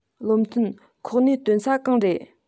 བློ མཐུན ཁོག ནད སྟོན ས གང རེད